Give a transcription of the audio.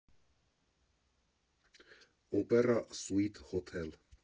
Օպերա Սուիթ Հոթել։